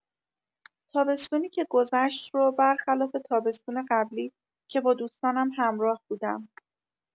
تابستونی که گذشت رو بر خلاف تابستون قبلی که با دوستانم همراه بودم.